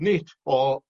Nid o